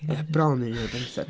Ia, bron yn un ar bymtheg.